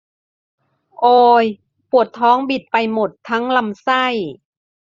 โอยปวดท้องบิดไปหมดทั้งลำไส้